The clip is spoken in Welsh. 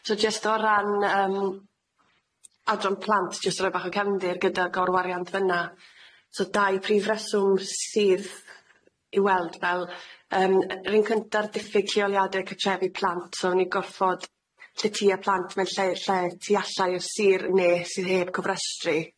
So jyst o ran yym adran plant jyst rhoi bach o cefndir gyda gorwariant fyn 'na so dau prif reswm sydd i weld fel yym yr un cynta'r diffyg lleoliade cartrefi plant, so o'n i gorffod tytu y plant mewn lle lle tu allai o Sir ne sydd heb gofrestru.